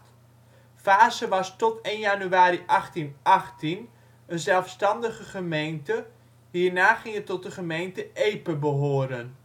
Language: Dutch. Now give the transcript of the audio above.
Vaassen was tot 1 januari 1818 een zelfstandige gemeente. Hierna ging het tot de gemeente Epe behoren